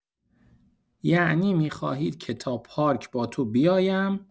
یعنی می‌خواهی که تا پارک با تو بیایم؟